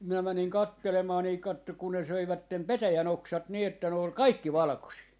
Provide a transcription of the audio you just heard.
minä menin katselemaan niin katso kun ne söivät petäjän oksat niin että ne oli kaikki valkoisia